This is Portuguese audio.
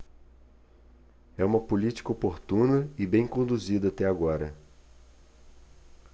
é uma política oportuna e bem conduzida até agora